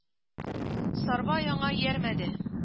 Сарбай аңа иярмәде